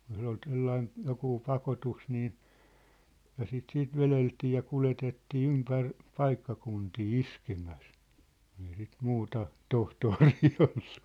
jos oli sellainen joku pakotus niin ja sitä sitten vedeltiin ja kuljetettiin ympäri paikkakuntia iskemässä kun ei sitä muuta tohtoria ollut